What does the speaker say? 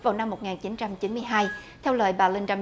vào năm một ngàn chín trăm chín mươi hai theo lời bà lân đa